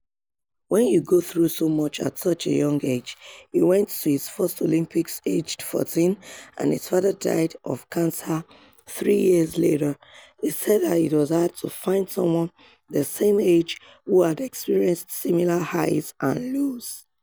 "When you go through so much at such a young age" - he went to his first Olympics aged 14 and his father died of cancer three years later - he said that it was hard to find someone the same age who had experienced similar highs and lows.